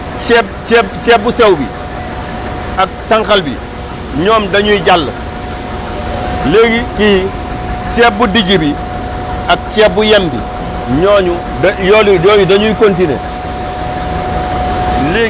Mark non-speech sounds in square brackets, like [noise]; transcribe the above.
léegi ceeb ceeb ceeb bu sew bi [noise] ak sànqal bi ñoom dañuy jàll [noise] léegi fii ceeb bu dijj bi ak ceeb bu yem bi ñooñu ba yooyu yooyu dañuy continué [noise]